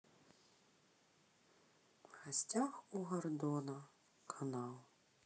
в гостях у гордона канал